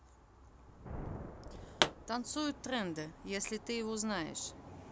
танцуют тренды если ты его знаешь